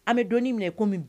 An bɛ donɔni minɛ ko